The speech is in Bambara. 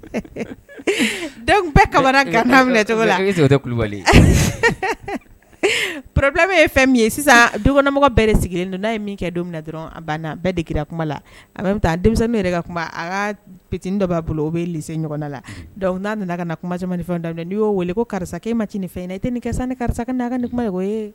Bɛɛ cogo kulubali pbu min ye fɛn min ye sisan donmɔgɔ bɛɛ sigilen n' ye min kɛ don dɔrɔn banna bɛɛ degera kuma la a bɛ taa denmisɛn yɛrɛ ka kuma a ka pt dɔ' bolo o bɛ li ɲɔgɔn la n'a nana ka na kuma camanmani ni fɛn da n'i y'o weele ko karisa e ma ti ni fɛn ye tɛ nin kɛ san ni karisa' ni kuma ye